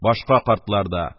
Башка картлар да: